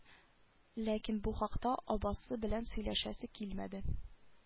Ләкин бу хакта абасы белән сөйләшәсе килмәде